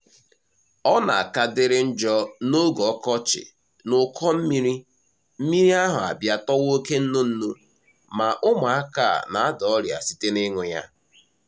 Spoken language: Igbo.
Ọ na-akadịrị njọ n'oge ọkọchị n'ụkọ mmiri; mmiri ahụ a bịa tọwa oke nnunnu, ma ụmụaka a na-ada ọrịa site n'ịṅụ ya.